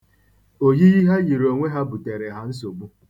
Oyiyi ha yiri onwe ha buteere ha nsogbu.